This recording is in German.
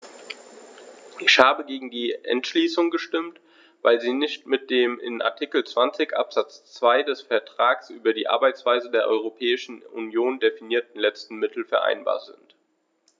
Ich habe gegen die Entschließung gestimmt, weil sie nicht mit dem in Artikel 20 Absatz 2 des Vertrags über die Arbeitsweise der Europäischen Union definierten letzten Mittel vereinbar ist.